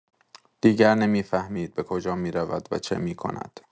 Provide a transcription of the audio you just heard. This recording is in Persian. دیگر نمی‌فهمید به کجا می‌رود و چه می‌کند.